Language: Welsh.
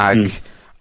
ag... Hmm.